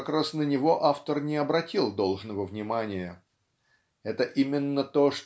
как раз на него автор не обратил должного внимания. Это именно то